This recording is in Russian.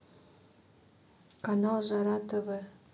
канал жара тв